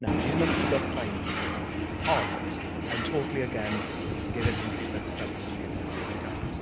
Nawr fi ddim yn pigo side fan hyn ond I'm totally against giving hundred percent to someone who's giving you deg a cant.